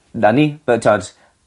'Na ni. Fel t'wod